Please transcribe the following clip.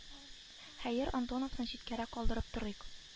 Хәер антоновны читтәрәк калдырып торыйк